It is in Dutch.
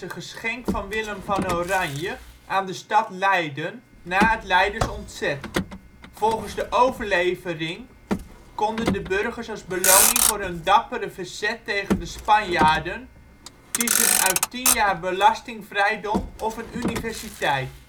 geschenk van Willem van Oranje aan de stad Leiden na het Leidens ontzet. Volgens de overlevering konden de burgers als beloning voor hun dappere verzet tegen de Spanjaarden kiezen uit tien jaar belastingvrijdom of een universiteit